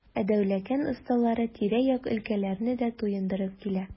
Ә Дәүләкән осталары тирә-як өлкәләрне дә туендырып килә.